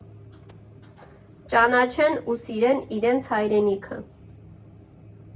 Ճանաչեն ու սիրեն իրենց հայրենիքը։